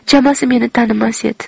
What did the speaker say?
chamasi meni tanimas edi